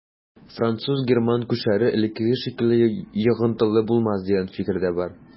Француз-герман күчәре элеккеге шикелле йогынтылы булмас дигән фикер дә бар.